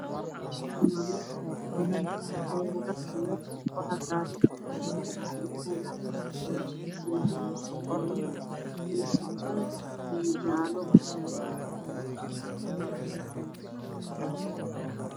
Meshan waa mel banan ah waxayalo alwaxa waxa saran sedax cabitan ah kalarkis yahay gaduud io seytuun io jale